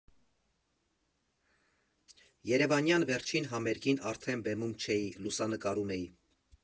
Երևանյան վերջին համերգին արդեն բեմում չէի, լուսանկարում էի։